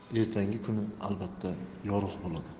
baland ertangi kuni albatta yorug' bo'ladi